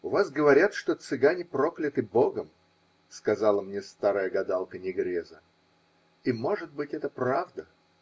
-- У вас говорят, что цыгане прокляты Богом, -- сказала мне старая гадалка Негреза, -- и, может быть, это правда.